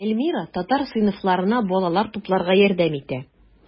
Эльмира татар сыйныфларына балалар тупларга ярдәм итә.